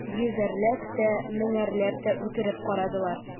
Йөзәрләп тә, меңәрләп тә үтереп карадылар.